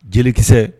Jelikisɛ